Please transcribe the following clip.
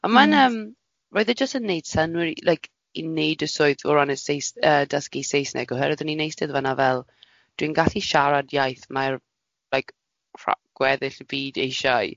A mae'n yym, roedd e jyst yn wneud synnwyr i like i wneud y swydd o ran y Seis- yy dysgu Saesneg oherwydd o'n i'n eistedd fan'na fel dwi'n gallu siarad iaith mae'r like rha- gweddill y byd eisiau.